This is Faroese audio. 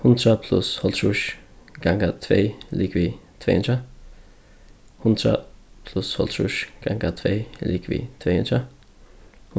hundrað pluss hálvtrýss ganga tvey ligvið tvey hundrað hundrað pluss hálvtrýss ganga tvey er ligvið tvey hundrað